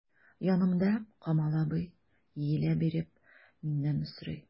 Янымда— Камал абый, иелә биреп миннән сорый.